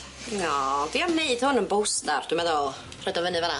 Oh, dwi am neud hwn yn bostar dwi'n meddwl, rhoid o fyny fynna.